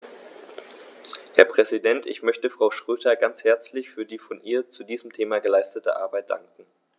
Herr Präsident, ich möchte Frau Schroedter ganz herzlich für die von ihr zu diesem Thema geleistete Arbeit danken.